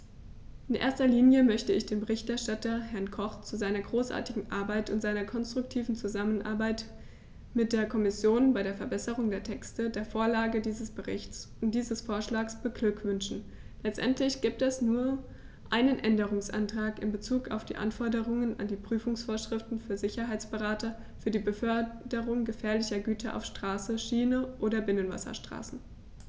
In erster Linie möchte ich den Berichterstatter, Herrn Koch, zu seiner großartigen Arbeit und seiner konstruktiven Zusammenarbeit mit der Kommission bei der Verbesserung der Texte, der Vorlage dieses Berichts und dieses Vorschlags beglückwünschen; letztendlich gibt es nur einen Änderungsantrag in bezug auf die Anforderungen an die Prüfungsvorschriften für Sicherheitsberater für die Beförderung gefährlicher Güter auf Straße, Schiene oder Binnenwasserstraßen.